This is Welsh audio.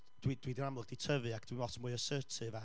dwi dwi 'di'n amlwg 'di tyfu ac dwi lot mwy assertive a,